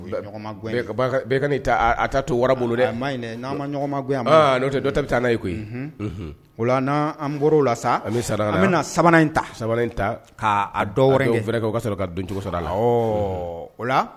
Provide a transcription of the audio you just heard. Taa to wara bolo dɛ a' ɲɔgɔn'o dɔ ta bɛ taa n' ye koyi ola n' an o la sa sara an bɛna sabanan in ta in ta k' dɔw wɛrɛ fɛɛrɛ o ka sɔrɔ ka doncogo la h o la